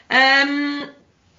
yym.